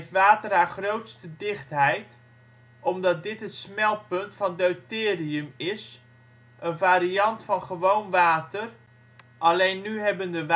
water haar grootste dichtheid, omdat dit het smeltpunt van deuterium is, een variant van gewoon water, alleen nu hebben de